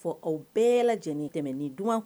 Fɔ aw bɛɛ lajɛlen; tɛmɛ ni dunan